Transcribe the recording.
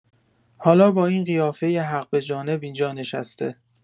حالا با این قیافۀ حق‌به‌جانب این‌جا نشسته.